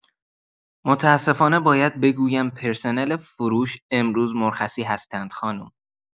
متاسفانه باید بگویم پرسنل فروش، امروز مرخصی هستند خانم.